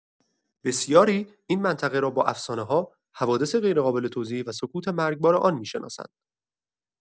بسیاری این منطقه را با افسانه‌ها، حوادث غیرقابل توضیح و سکوت مرگبار آن می‌شناسند.